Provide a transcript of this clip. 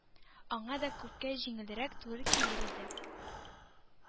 Аңа да күпкә җиңелгәрәк туры килер иде.